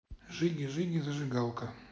жиги жиги зажигалка